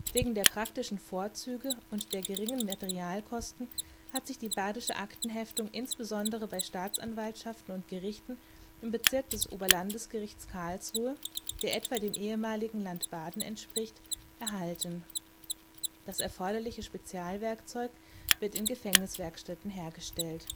Wegen der praktischen Vorzüge und der geringen Materialkosten hat sich die Badische Aktenheftung insbesondere bei Staatsanwaltschaften und Gerichten im Bezirk des Oberlandesgerichts Karlsruhe (der etwa dem ehemaligen Land Baden entspricht) erhalten. Das erforderliche Spezialwerkzeug wird in Gefängniswerkstätten hergestellt